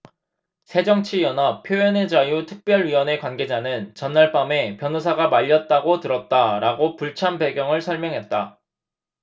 새정치연합 표현의자유특별위원회 관계자는 전날 밤에 변호사가 말렸다고 들었다라고 불참 배경을 설명했다